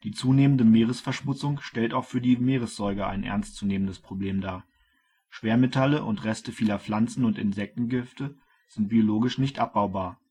zunehmende Meeresverschmutzung stellt auch für die Meeressäuger ein ernst zu nehmendes Problem dar. Schwermetalle und Reste vieler Pflanzen - und Insektengifte sind biologisch nicht abbaubar